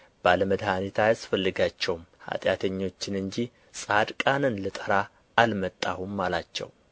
ባለ መድኃኒት አያስፈልጋቸውም ኃጢአተኞችን እንጂ ጻድቃንን ልጠራ አልመጣሁም አላቸው የዮሐንስ ደቀ መዛሙርትና ፈሪሳውያን ይጦሙ ነበር መጥተውም